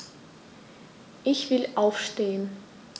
Ich will aufstehen.